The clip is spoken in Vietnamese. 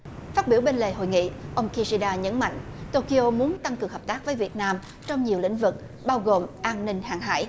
phát biểu bên lề hội nghị ông ki si đa nhấn mạnh tô ki ô muốn tăng cường hợp tác với việt nam trong nhiều lĩnh vực bao gồm an ninh hàng hải